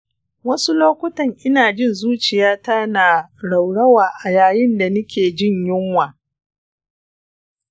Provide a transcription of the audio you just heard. wasu lokuttan ina jin zuciyata ta na raurawa a yayin da nike jin yunwa.